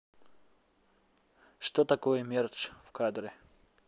что такое мерч в кадре